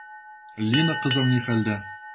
Лина кызым ни хәлдә?